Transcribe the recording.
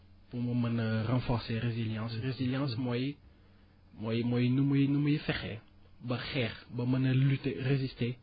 pour mu mën a renforcer résilience résilience mooy mooy mooy nu muy nu muy fexee ba xeex ba mën a lutter résister